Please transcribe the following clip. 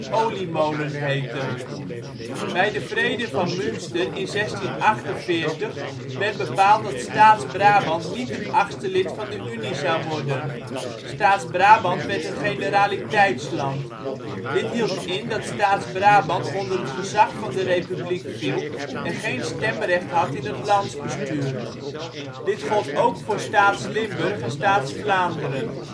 Oliemolen heten. Bij de Vrede van Münster in 1648 werd bepaald dat Staats-Brabant niet het achtste lid van de Unie zou worden. Staats-Brabant werd een Generaliteitsland. Dit hield in, dat Staats-Brabant onder het gezag van de Republiek viel en geen stemrecht had in het landsbestuur. Dit gold ook voor Staats-Limburg en Staats-Vlaanderen